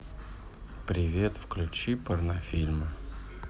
привет включи порнофильмы